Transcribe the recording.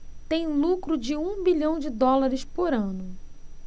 tem lucro de um bilhão de dólares por ano